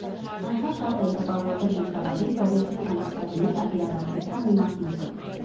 Այնքան շատ էի տպավորվել միջավայրից, որ ես էլ ցանկացա լինել այդ իրադարձության մի մասնիկը։